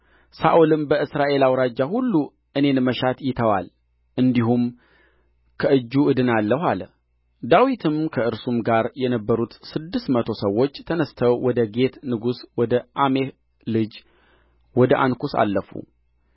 ሳኦልም በእስራኤል አውራጃ ሁሉ እኔን መሻት ይተዋል እንዲሁም ከእጁ እድናለሁ አለ ዳዊትም ከእርሱም ጋር የነበሩት ስድስቱ መቶ ሰዎች ተነሥተው ወደ ጌት ንጉሥ ወደ አሜህ ልጅ ወደ አንኩስ አለፉ